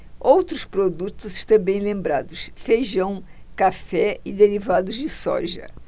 outros produtos também lembrados feijão café e derivados de soja